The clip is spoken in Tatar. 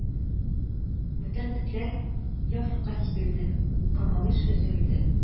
Бүтән этләр як-якка сибелде, камалыш өзелде.